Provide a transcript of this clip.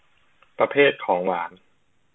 ประเภทของหวาน